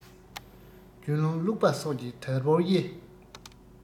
རྒྱུ རློན བཀླུབས པ སོགས ཀྱིས དལ བུར དབྱེ